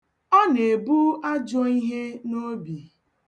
Ọ na-ebu ajọ ihe n'obi ya.